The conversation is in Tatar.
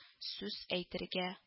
Сүз әйтергә